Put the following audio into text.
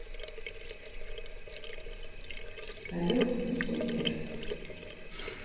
салют ты супер